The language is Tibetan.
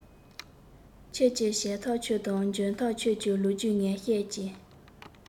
ཁྱོད ཀྱིས བྱས ཐག ཆོད དང འཇོན ཐག ཆོད ཀྱི ལོ རྒྱུས ངས བཤད ཀྱིས